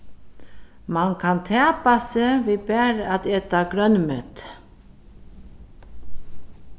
mann kann tapa seg við bara at eta grønmeti